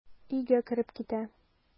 Өйгә кереп китә.